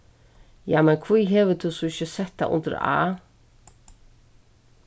jamen hví hevur tú so ikki sett tað undir a